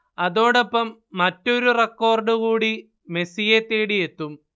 അതോടൊപ്പം മറ്റൊരു റെക്കോർഡ് കൂടി മെസ്സിയെ തേടിയെത്തും